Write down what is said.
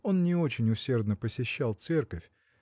он не очень усердно посещал церковь